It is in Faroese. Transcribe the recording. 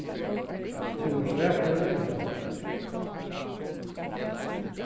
tú ert vakrari enn hon